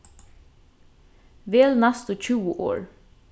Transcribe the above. vel næstu tjúgu orð